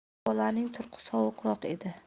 bu bolaning turqi sovuqroq edi